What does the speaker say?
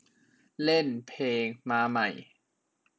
เล่นเพลงมาใหม่